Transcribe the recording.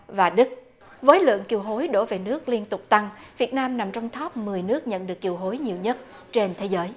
và đức với lượng kiều hối đổ về nước liên tục tăng việt nam nằm trong tốp mười nước nhận được kiều hối nhiều nhất trên thế giới